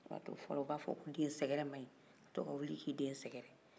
o de b'a to fɔlɔ u b'a fɔ ko densɛkɛrɛ man ɲi ka to ka wili k'i den sɛkɛrɛ